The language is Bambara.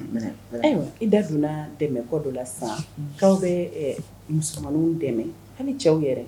Ayiwa i da donna dɛmɛko dɔ la sisan k'aw bɛ musomaninw dɛmɛ, hali cɛw yɛrɛ